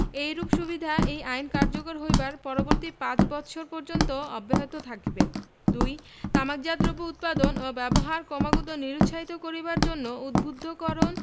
এইরূপ সুবিধা এই আইন কার্যকর হইবার পরবর্তী পাঁচ ৫ বৎসর পর্যন্ত অব্যাহত থাকিবে ২ তামাকজাত দ্রব্য উৎপাদন ও ব্যবহার ক্রমাগত নিরুৎসাহিত করিবার জন্য উদ্বুদ্ধকরণ